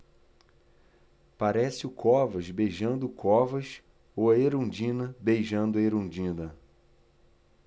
parece o covas beijando o covas ou a erundina beijando a erundina